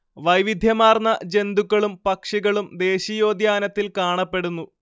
വൈവിധ്യമാർന്ന ജന്തുക്കളും പക്ഷികളും ദേശീയോദ്യാനത്തിൽ കാണപ്പെടുന്നു